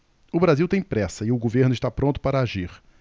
o brasil tem pressa e o governo está pronto para agir